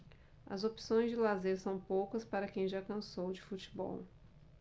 as opções de lazer são poucas para quem já cansou de futebol